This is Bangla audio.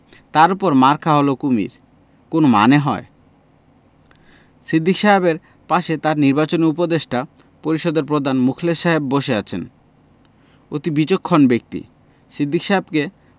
তার উপর মার্কা হল কুমীর কোন মানে হয় সিদ্দিক সাহেবের পাশে তাঁর নিবাচনী উপদেষ্টা পরিষদের প্রধান মুখলেস সাহেব বসে আছেন অতি বিচক্ষণ ব্যক্তি সিদ্দিক সাহেবকে